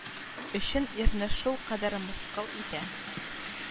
Өчен ирне шулкадәр мыскыл итә